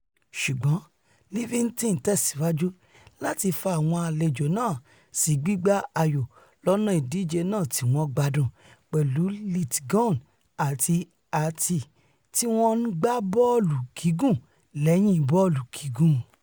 Ṣùgbọn Livinston tẹ̀síwájú láti fa àwọn àlejò náà sí gbígbá ayò lọ́nà ìdíje náà tíwọ́n gbádùn, pẹ̀lú Lithgow àti Halkett tíwọ́n ńgbá bọ́ọ̀lù gígùn lẹ́yìn bọ́ọ̀lù gígùn.